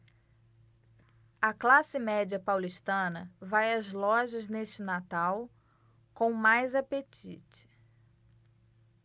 a classe média paulistana vai às lojas neste natal com mais apetite